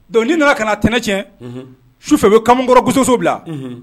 Donc n'i nana ka na tana cɛn,. Unhun! Su fɛ o bɛ kamalen kɔrɔ gosogoso bila. Unhun!